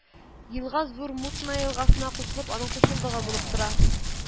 Елга Зур Мутная елгасына кушылып, аның кушылдыгы булып тора